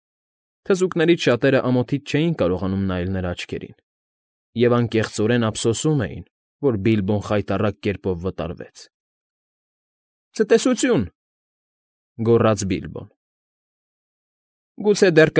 Թզուկներից շատերը ամոթից չէին կարողանում նայել նրա աչքերին և անկեղծորեն ափսոսում էին, որ Բիլբոն խայտառակ կերպով վտարվեց։ ֊ Ցտեսությո՜ւն,֊ գոռաց Բիլբոն։֊ Գուցե դեռ։